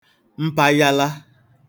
mpayala